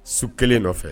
Su kelen nɔfɛ.